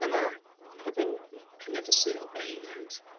Dyna pwdin y- cinio Dydd Sul fi, ond...